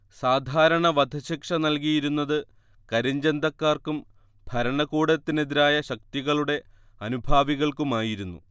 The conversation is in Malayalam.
സാധാരണ വധശിക്ഷ നൽകിയിരുന്നത് കരിഞ്ചന്തക്കാർക്കും ഭരണകൂടത്തിനെതിരായ ശക്തികളുടെ അനുഭാവികൾക്കുമായിരുന്നു